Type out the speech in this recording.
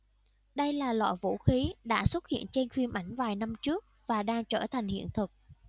đây là loại vũ khí đã xuất hiện trên phim ảnh vài năm trước và đang trở thành hiện thực